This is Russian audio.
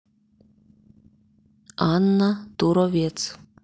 анна туровец